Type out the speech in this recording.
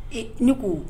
Ee ne ko